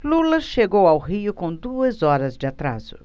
lula chegou ao rio com duas horas de atraso